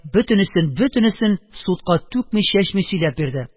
Бөтенесен-бөтенесен судка түкми-чәчми сөйләп бирде.